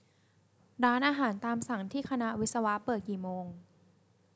ร้านอาหารตามสั่งที่คณะวิศวะเปิดกี่โมง